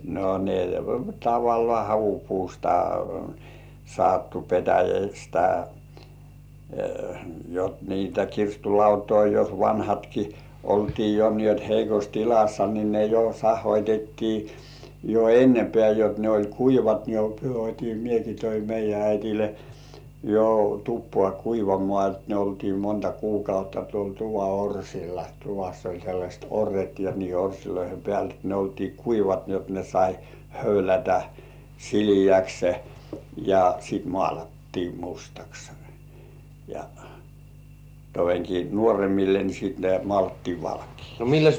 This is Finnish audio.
no ne tavallaan havupuusta sattui petäjästä jotta niitä kirstun lautoja jos vanhatkin oltiin jo niin jotta heikossa tilassa niin ne jo sahoitettiin jo ennempään jotta ne oli kuivat ne otin minäkin toin meidän äidille jo tupaan kuivamaan jotta ne oltiin monta kuukautta tuolla tuvan orsilla tuvassa oli sellaiset orret ja niiden orsien päällä että ne oltiin kuivat niin jotta ne sai höylätä sileäksi ja sitten maalattiin mustaksi ja todenkin nuoremmille niin sitten näet maalattiin valkeaksi